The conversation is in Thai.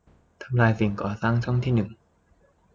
ทำลายสิ่งก่อสร้างช่องที่หนึ่ง